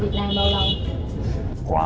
việt nam bao lâu rồi